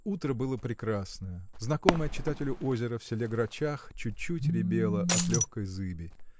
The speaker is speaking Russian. Утро было прекрасное. Знакомое читателю озеро в селе Грачах чуть-чуть рябело от легкой зыби.